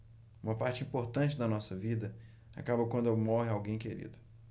uma parte importante da nossa vida acaba quando morre alguém querido